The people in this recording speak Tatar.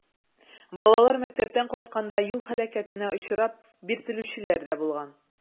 Балалар мәктәптән кайтканда юл һәлакәтенә очрап, биртелүчеләр дә булган.